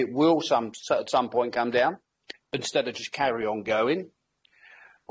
it will some so at some point come down, instead of just carry on going,